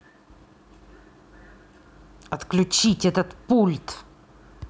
отключить этот пульт